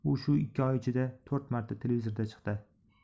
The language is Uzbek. u shu ikki oy ichida to'rt marta televizorda chiqdi